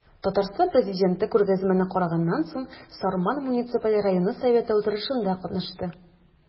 Татарстан Президенты күргәзмәне караганнан соң, Сарман муниципаль районы советы утырышында катнашты.